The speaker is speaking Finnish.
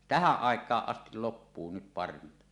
tähän aikaan asti loppuu nyt parvinta